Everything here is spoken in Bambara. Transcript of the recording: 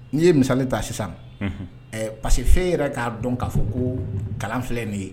Ni ye misali ta sisan, ɛɛ parce que fo e yɛrɛ ka dɔn ka fɔ ko kalan filɛ